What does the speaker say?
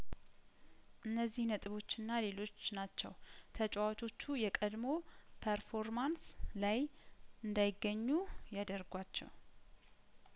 እነዚህ ነጥቦችና ሌሎች ናቸው ተጫዋቾቹ የቀድሞው ፐርፎርማንስ ላይ እንዳይገኙ ያደርጓቸው